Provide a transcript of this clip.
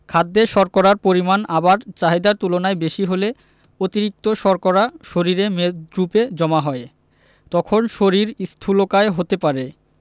খাদ্যে শর্করার পরিমাণ আবার চাহিদার তুলনায় বেশি হলে অতিরিক্ত শর্করা শরীরে মেদরুপে জমা হয় তখন শরীর স্থুলকায় হতে পারে